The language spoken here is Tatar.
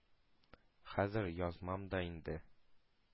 Хәзер язмам да инде.